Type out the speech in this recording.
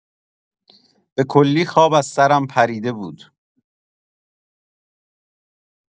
به کلی خواب از سرم پریده بود.